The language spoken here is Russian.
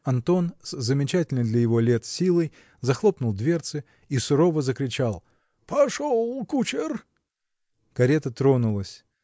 Антон, с замечательной для его лет силой, захлопнул дверцы и сурово закричал: "Пошел, кучер!" -- Карета тронулась.